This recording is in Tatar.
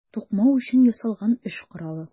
Тукмау өчен ясалган эш коралы.